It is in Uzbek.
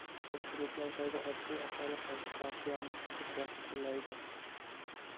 xo'sh hududlardagi oddiy aholi qaysi partiyani ko'proq qo'llaydi